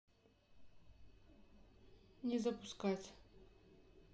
не запускать